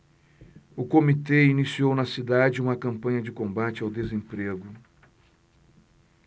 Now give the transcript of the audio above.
o comitê iniciou na cidade uma campanha de combate ao desemprego